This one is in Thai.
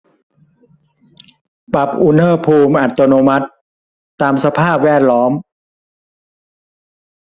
ปรับอุณหภูมิอัตโนมัติตามสภาพแวดล้อม